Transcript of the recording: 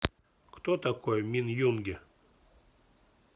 кто такой мин юнги